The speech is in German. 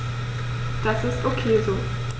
Das ist ok so.